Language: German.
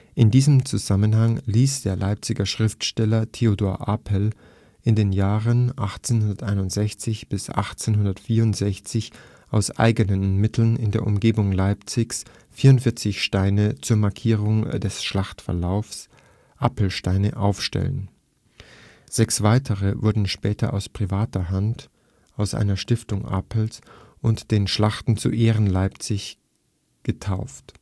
In diesem Zusammenhang ließ der Leipziger Schriftsteller Theodor Apel in den Jahren 1861 bis 1864 aus eigenen Mitteln in der Umgebung Leipzigs 44 Steine zur Markierung des Schlachtverlaufs (Apelsteine) aufstellen. Sechs weitere wurden später aus privater Hand, aus einer Stiftung Apels und von Vereinen errichtet. 1875 wurde eine neue Korvette der deutschen Marine der Leipziger Schlacht zu Ehren „ Leipzig “getauft